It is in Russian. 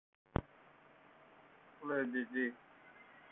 lady di